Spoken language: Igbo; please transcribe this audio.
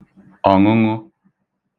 ọṅụṅụ